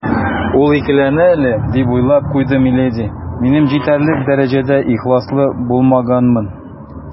«ул икеләнә әле, - дип уйлап куйды миледи, - минем җитәрлек дәрәҗәдә ихласлы булмаганмын».